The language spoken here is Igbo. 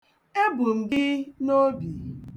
E bu m gị n'obi.